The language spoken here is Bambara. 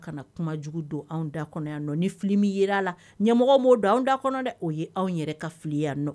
Kana kumajugu don anw da kɔnɔ yan ni fili min jira' la ɲɛmɔgɔ maaw don anw da kɔnɔ dɛ o ye anw yɛrɛ ka filiya nɔ